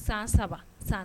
San saba san